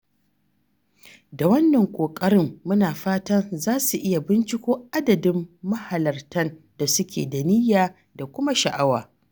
Da wannan ƙoƙarin, muna fatan za su iya binciko adadin mahalartan da suke da niyya da sha'awa.